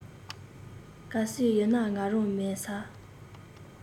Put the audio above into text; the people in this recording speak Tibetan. གལ སྲིད ཡོད ན ང རང མལ ས